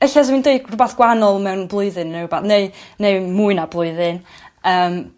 ella sa fi'n deud rwbath gwahanol mewn blwyddyn neu rwba- neu neu mwy na blwyddyn yym